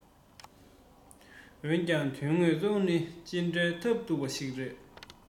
འོན ཀྱང དོན དངོས འཚོ བ ནི ཇི འདྲའི ཐབས སྡུག པ ཞིག རེད